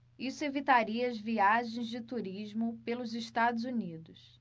isso evitaria as viagens de turismo pelos estados unidos